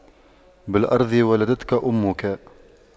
بالأرض ولدتك أمك